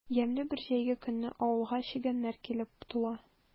Ямьле бер җәйге көнне авылга чегәннәр килеп тула.